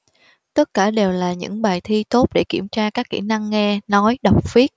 tất cả đều là những bài thi tốt để kiểm tra các kỹ năng nghe nói đọc viết